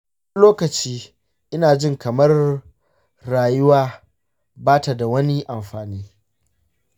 wani lokaci ina jin kamar rayuwa ba ta da wani amfani.